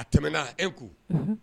A tɛmɛna e ko